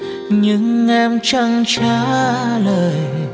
nhưng em chẳng trả lời